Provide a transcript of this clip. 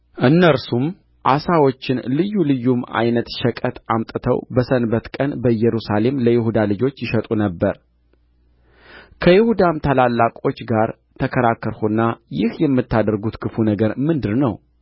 እነርሱም ዓሣዎችን ልዩ ልዩም ዓይነት ሸቀጥ አምጥተው በሰንበት ቀን በኢየሩሳሌም ለይሁዳ ልጆች ይሸጡ ነበር ከይሁዳም ታላላቆች ጋር ተከራከርሁና ይህ የምታደርጉት ክፉ ነገር ምንድር ነው